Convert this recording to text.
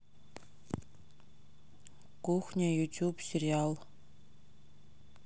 кухня ютуб сериал